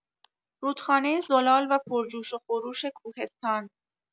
رودخانه زلال و پرجوش‌وخروش کوهستان